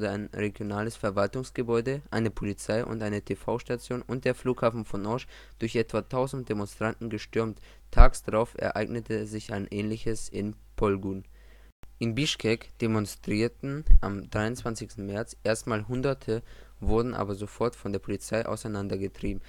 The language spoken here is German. ein regionales Verwaltungsgebäude, eine Polizei - und eine TV-Station und der Flughafen von Osch durch etwa 1000 Demonstranten gestürmt, tags darauf ereignete sich ähnliches in Pulgon. In Bischkek demonstrierten am 23. März erstmals Hunderte, wurden aber sofort von der Polizei auseinandergetrieben